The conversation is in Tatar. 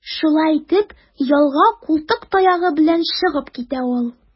Шулай итеп, ялга култык таягы белән чыгып китә ул.